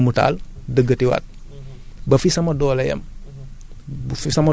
tegaat ñaari brouettes fumier defaat dóomu taal dëggate waat